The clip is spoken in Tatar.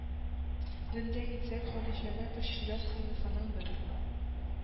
Лендә әйтсәк, «галиҗәнап эшчеләр сыйныфы»ның бер